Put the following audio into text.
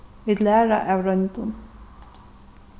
vit læra av royndum